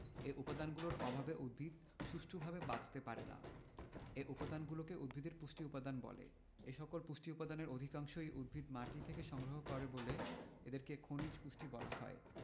এ উপাদানগুলোর অভাবে উদ্ভিদ সুষ্ঠুভাবে বাঁচতে পারে না এ উপাদানগুলোকে উদ্ভিদের পুষ্টি উপাদান বলে এসকল পুষ্টি উপাদানের অধিকাংশই উদ্ভিদ মাটি থেকে সংগ্রহ করে বলে এদেরকে খনিজ পুষ্টি বলা হয়